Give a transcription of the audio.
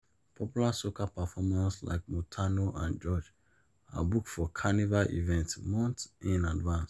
Popular soca performers like Montano and George are booked for Carnival events months in advance.